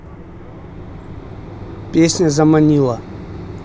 песня заманила